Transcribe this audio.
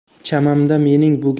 chamamda mening bu